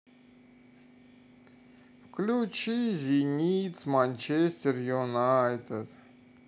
включи зенит с манчестер юнайтед